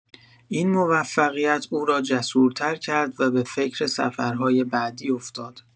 این موفقیت او را جسورتر کرد و به فکر سفرهای بعدی افتاد.